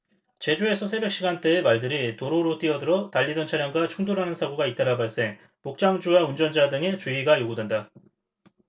제주에서 새벽시간대에 말들이 도로로 뛰어들어 달리던 차량과 충돌하는 사고가 잇따라 발생 목장주와 운전자 등의 주의가 요구된다